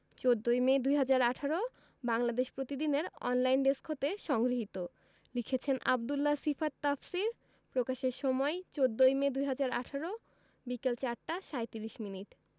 ১৪মে ২০১৮ বাংলাদেশ প্রতিদিন এর online desk হতে সংগৃহীত লিখেছেনঃ আব্দুল্লাহ সিফাত তাফসীর প্রকাশের সময় ১৪মে ২০১৮ বিকেল ৪ টা ৩৭ মিনিট